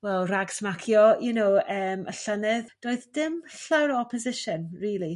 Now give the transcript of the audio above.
wel rhag smacio you know yym y llynedd doedd dim llawr o opposition rili